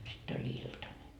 sitten oli iltanen